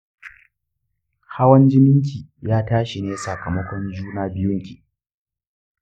hawan jinin ki ya tashi ne sakamakon juna biyun ki.